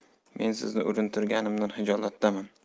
men sizni urintirganimdan hijolatdaman